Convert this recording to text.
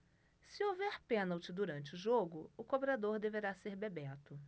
se houver pênalti durante o jogo o cobrador deverá ser bebeto